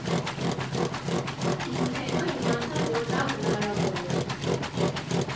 Իսկ հետո իմացա, որ դա հնարավոր է։